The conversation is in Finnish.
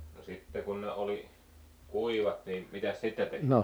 no sitten kun ne oli kuivat niin mitäs sitten tehtiin